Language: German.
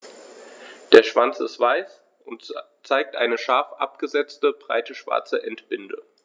Der Schwanz ist weiß und zeigt eine scharf abgesetzte, breite schwarze Endbinde.